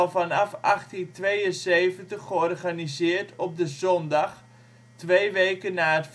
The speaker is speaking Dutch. vanaf 1872 georganiseerd op de zondag, twee weken na